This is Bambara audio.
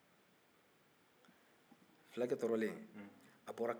a bɔra kaluwa la a bɔlen kaluwa la